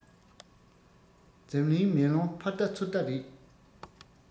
འཛམ གླིང མེ ལོང ཕར བལྟ ཚུར བལྟ རེད